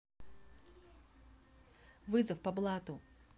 вызов по блату